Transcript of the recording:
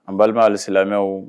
An balima hali silamɛmɛw